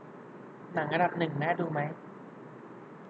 หนังอันดับหนึ่งน่าดูไหม